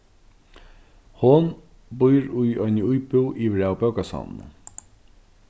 hon býr í eini íbúð yvir av bókasavninum